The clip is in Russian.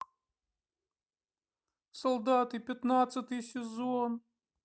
солдаты пятнадцатый сезон